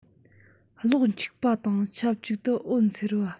གློག འཁྱུགས པ དང ཆབས ཅིག ཏུ འོད འཚེར བ